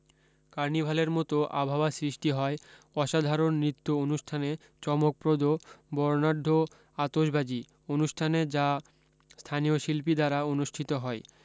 কারনিভালের মতো আবহাওয়া সৃষ্টি হয় অসাধারণ নৃত্য অনুষ্ঠানে চমকপ্রদ বরণাঢ্য আতসবাজী অনুষ্ঠানে যা স্থানীয় শিল্পী দ্বারা অনুষ্ঠিত হয়